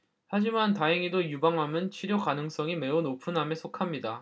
하지만 다행히도 유방암은 치료 가능성이 매우 높은 암에 속합니다